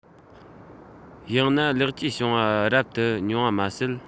ཡང ན ལེགས བཅོས བྱུང བ རབ ཏུ ཉུང བ མ ཟད